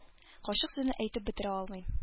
Карчык сүзен әйтеп бетерә алмый.